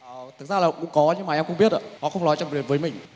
thật ra là cũng có nhưng mà em không biết ạ họ không nói với mình